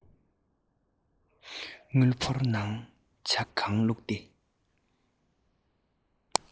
དངུལ ཕོར ནང ཇ གང བླུགས ཏེ